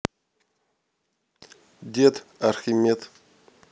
дед архимед